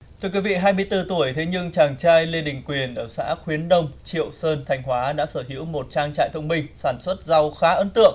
thưa quý vị hai mươi tư tuổi thế nhưng chàng trai lê đình quyền ở xã khuyến nông triệu sơn thanh hóa đã sở hữu một trang trại thông minh sản xuất rau khá ấn tượng